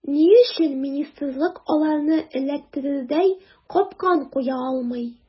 Ни өчен министрлык аларны эләктерердәй “капкан” куя алмый.